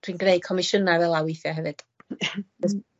dwi'n greu comisyna fel 'a withia hefyd